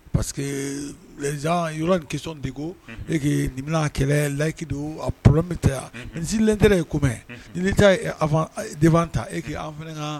Pa que yɔrɔ in kesɔnon deko eki ninmina kɛlɛ layikidu a p bɛ yanlent ye kun ni de ta e kki an fanakan